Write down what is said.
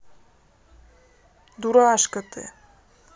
дурашка ты